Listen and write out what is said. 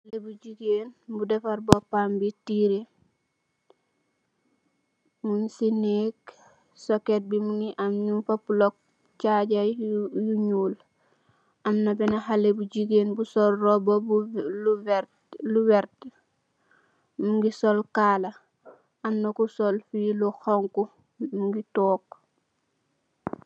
Haleh bu gigain bu defarr bopam bii tiireh, mung cii nehgg socket bii mungy am njung fa plug charger yu, yu njull, amna benah haleh bu gigain bu sol rohba bu lu vert lu vert, mungy sol kaalar, amna ku sol lu honhu mungy togg.